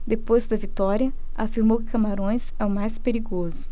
depois da vitória afirmou que camarões é o mais perigoso